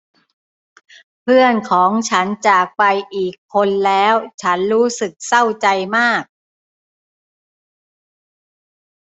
เพื่อนของฉันจากไปอีกคนแล้วฉันรู้สึกเศร้าใจมาก